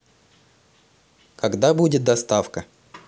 когда будет доставка